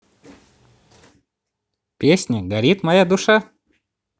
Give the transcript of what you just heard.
песня горит моя душа